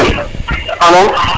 alo oui